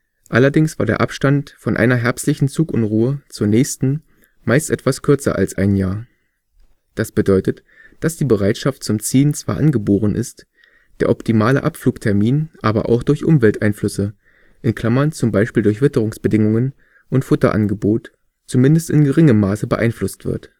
Allerdings war der Abstand von einer herbstlichen Zugunruhe zur nächsten meist etwas kürzer als ein Jahr. Das bedeutet, dass die Bereitschaft zum Ziehen zwar angeboren ist, der optimale Abflugtermin aber auch durch Umwelteinflüsse (zum Beispiel durch Witterungsbedingungen und Futterangebot) zumindest in geringem Maße beeinflusst wird